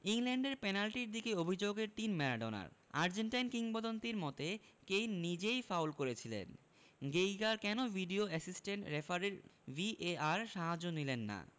ইংল্যান্ডের পেনাল্টির দিকে অভিযোগের তির ম্যারাডোনার আর্জেন্টাইন কিংবদন্তির মতে কেইন নিজেই ফাউল করেছিলেন গেইগার কেন ভিডিও অ্যাসিস্ট্যান্ট রেফারির ভিএআর সাহায্য নিলেন না